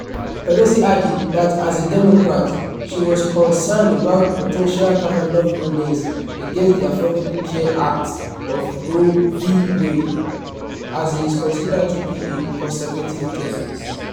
Pelosi added that as a Democrat she was concerned about potential Kavanaugh rulings against the Affordable Care Act or Roe v. Wade, as he is considered to be a conservative justice.